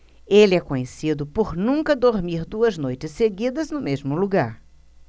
ele é conhecido por nunca dormir duas noites seguidas no mesmo lugar